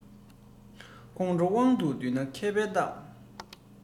ཁོང ཁྲོ དབང དུ འདུས ན མཁས པའི རྟགས